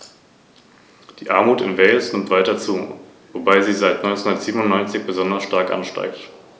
Meine Änderungsanträge betreffen die Frostbeständigkeit der Transportbehälter für Gefahrgut.